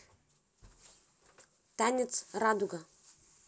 танец радуга